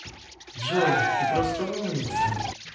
джой ты просто умница